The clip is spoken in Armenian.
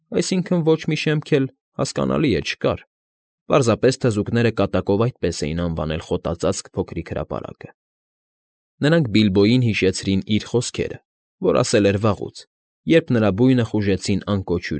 Այսինքն, ոչ մի շեմք էլ, հասկանալի է, չկար, պարզապես թզուկները կատակով այդպես էին անվանել խոտածածկ փոքրիկ հրապարակը. նրանք Բիլբոյին հիշեցրին իր խոսքերը, որ ասել էր վաղուց, երբ նրա բույնը խուժեցին անկոչ։